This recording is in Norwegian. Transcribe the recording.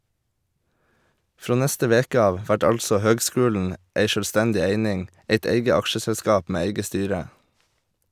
Frå neste veke av vert altså høgskulen ei sjølvstendig eining, eit eige aksjeselskap med eige styre.